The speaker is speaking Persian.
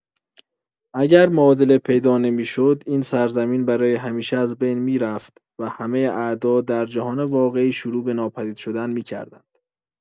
اگر معادله پیدا نمی‌شد، این سرزمین برای همیشه از بین می‌رفت و همۀ اعداد در جهان واقعی شروع به ناپدید شدن می‌کردند.